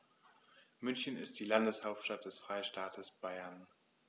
München ist die Landeshauptstadt des Freistaates Bayern.